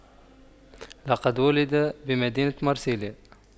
لقد ولد بمدينة مرسيليا